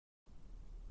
mana tog'larimizni ikki